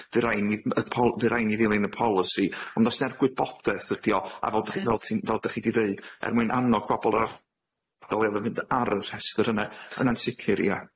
Fy' rai' ni m- yy po- fy' rai' ni ddilyn y polisi. Ond os na'r gwybodaeth ydi o, a fel dach chi fel ti'n fel dach chi 'di ddeud, er mwyn annog pobol ar y rh- ddylie fod yn mynd ar y rhestr yne, yna'n sicir, ia.